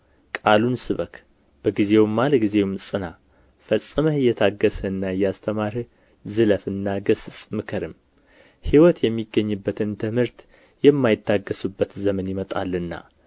ቃሉን ስበክ በጊዜውም አለጊዜውም ጽና ፈጽመህ እየታገሥህና እያስተማርህ ዝለፍና ገሥጽ ምከርም ሕይወት የሚገኝበትን ትምህርት የማይታገሡበት ዘመን ይመጣልና